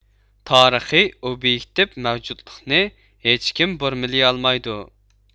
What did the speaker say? تارىخىي ئوبيېكتىپ مەۋجۇتلۇقنى ھېچكىم بۇرمىلىيالمايدۇ